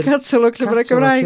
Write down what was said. Catalog Llyfrau Cymraeg.